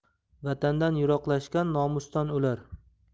vatandan yiroqlashgan nomusdan o'lar